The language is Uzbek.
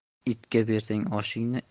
itga bersang oshingni